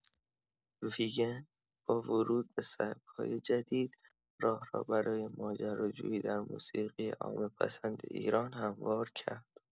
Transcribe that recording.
ویگن با ورود به سبک‌های جدید، راه را برای ماجراجویی در موسیقی عامه‌پسند ایران هموار کرد.